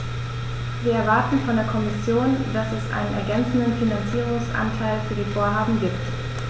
Wir erwarten von der Kommission, dass es einen ergänzenden Finanzierungsanteil für die Vorhaben gibt.